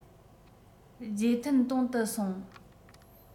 རྗེས མཐུན སྟོན དུ སོང